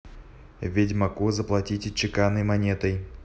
ведьмаку заплатите чеканной монетой